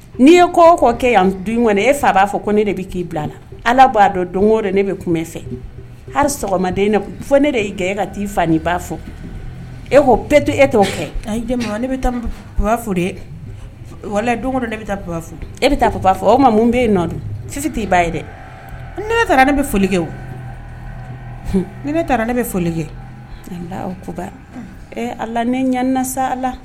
N'i ye kɔ kɔ yan e fa b'a fɔ ne de bɛ k'i bila a la ala'a dɔn ne bɛ kun fɛ hali sɔgɔmaden fɔ ne y' kɛ e ka t'i fa n' ba fɔ e koo to e tɛ fɛ ne fɔ de wala don bɛ taa fɔ e bɛ taa baa fɔ o ma mun bɛ yen nɔ don sisi t'i ba ye dɛ ne taara ne bɛ folikɛ o ne taara ne bɛ folikɛba ala ne ɲani sa ala